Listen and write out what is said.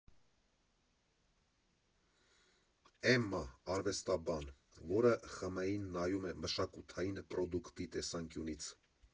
Էմմա ֊ արվեստաբան, որը ԽՄԷ֊ին նայում է մշակութային պրոդուկտի տեսանկյունից։